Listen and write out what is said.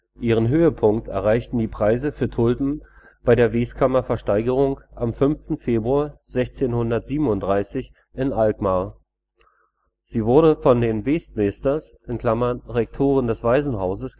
Ihren Höhepunkt erreichten die Preise für Tulpen bei der Weeskamer-Versteigerung am 5. Februar 1637 in Alkmaar. Sie wurde von den weesmesters (Rektoren des Waisenhauses